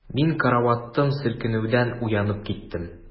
Мин караватым селкенүдән уянып киттем.